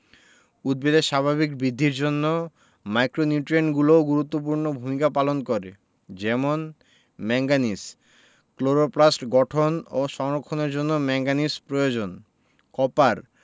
উদ্ভিদের স্বাভাবিক বৃদ্ধির জন্য মাইক্রোনিউট্রিয়েন্টগুলোও গুরুত্বপূর্ণ ভূমিকা পালন করে যেমন ম্যাংগানিজ ক্লোরোপ্লাস্ট গঠন ও সংরক্ষণের জন্য ম্যাংগানিজ প্রয়োজন কপার